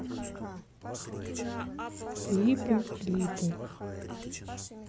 клипы клипы